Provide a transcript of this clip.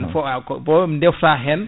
an foo a ko boom defta hen